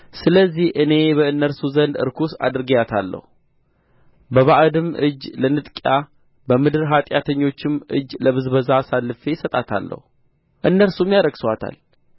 ስለዚህ እኔ በእነርሱ ዘንድ ርኩስ አድርጌአታለሁ በባዕድም እጅ ለንጥቂያ በምድር ኃጢአተኞችም እጅ ለብዝበዛ አሳልፌ እሰጣታለሁ እነርሱም ያረክሱአታል